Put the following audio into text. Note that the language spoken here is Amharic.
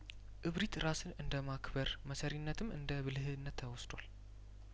እብሪት ራስን እንደማክበር መሰሪነትም እንደ ብልህነት ተወስዷል